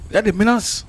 Y'a demina